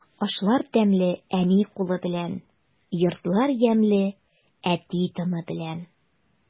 Ашлар тәмле әни кулы белән, йортлар ямьле әти тыны белән.